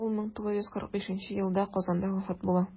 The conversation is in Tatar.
Ул 1945 елда Казанда вафат була.